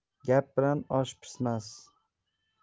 gap bilan osh pishmas